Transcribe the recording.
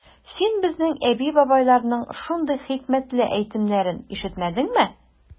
Син безнең әби-бабайларның шундый хикмәтле әйтемнәрен ишетмәдеңме?